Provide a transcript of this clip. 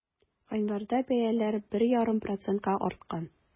Гыйнварда бәяләр 1,5 процентка арткан.